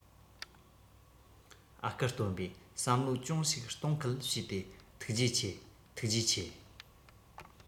ཨ ཁུ སྟོན པས བསམ བློ ཅུང ཞིག གཏོང ཁུལ བྱས ཏེ ཐུགས རྗེ ཆེ ཐུགས རྗེ ཆེ